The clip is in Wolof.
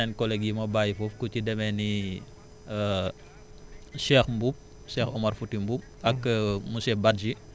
di nuyu aussi sama yeneen collègues yi ma bàyyi foofu ku ci demee ni Cheikh Mboup Cheikh Omar Fouti Mboup